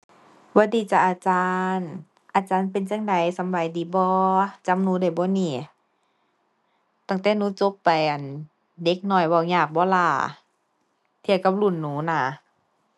หวัดดีจ้ะ อาจารย์ อาจารย์เป็นจั่งใด สำบายดีบ่ จำหนูได้บ่นี่ ตั้งแต่หนูจบไป อั่น เด็กน้อยเว้ายากบ่ล่ะ เทียบกับรุ่นหนูน่ะ